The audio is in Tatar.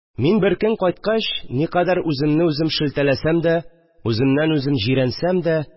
Мин беркөн, кайткач, никадәр үземне үзем шелтәләсәм дә, үземнән үзем җирәнсәм дә